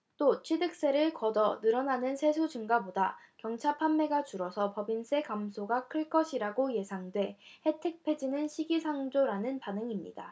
또 취득세를 거둬 늘어나는 세수 증가보다 경차 판매가 줄어 법인세 감소가 클 것이라고 예상돼 혜택 폐지는 시기상조라는 반응입니다